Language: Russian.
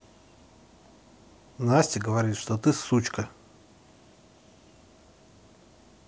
настя говорит что ты сучка